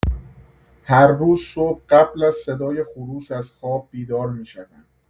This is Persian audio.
هر روز صبح قبل از صدای خروس از خواب بیدار می‌شوم.